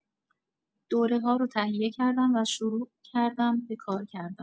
دوره‌ها رو تهیه کردم و شروع کردم به کار کردن.